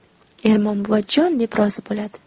ermon buva jon deb rozi bo'ladi